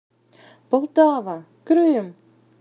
полтава крым